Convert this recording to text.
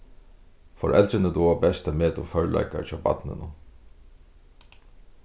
foreldrini duga best at meta um førleikar hjá barninum